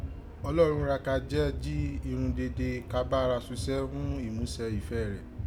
Ọlọ́rọn ra ka jẹ jí irun dede ka bá ara susẹ ghun ìmusẹ ife Rẹ,